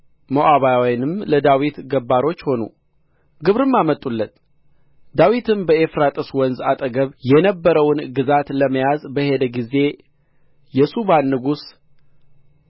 ሞዓባውያንም ለዳዊት ገባሮች ሆኑ ግብርም አመጡለት ዳዊትም በኤፍራጥስ ወንዝ አጠገብ የነበረውን ግዛት ለመያዝ በሄደ ጊዜ የሱባን ንጉሥ